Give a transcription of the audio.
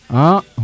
a